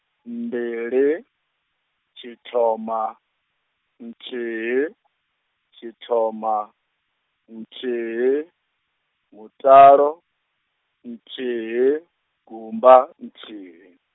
mbili, tshithoma, nthihi, tshithoma, nthih-, mutalo, nthihi, gumba, nthihi.